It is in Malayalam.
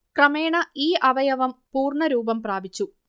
ക്രമേണ ഈ അവയവം പൂർണ്ണ രൂപം പ്രാപിച്ചു